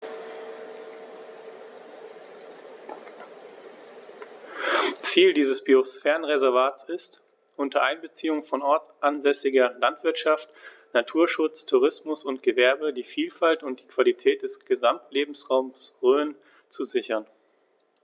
Ziel dieses Biosphärenreservates ist, unter Einbeziehung von ortsansässiger Landwirtschaft, Naturschutz, Tourismus und Gewerbe die Vielfalt und die Qualität des Gesamtlebensraumes Rhön zu sichern.